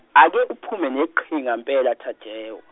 ake uphume neqhinga mphela Tajewo.